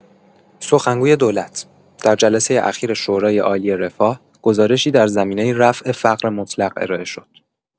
سخنگوی دولت: در جلسه اخیر شورای‌عالی رفاه، گزارشی در زمینه رفع فقر مطلق ارائه شد.